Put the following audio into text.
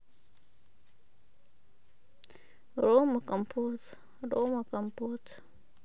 рома компот рома компот